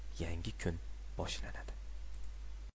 yangi kun boshlanadi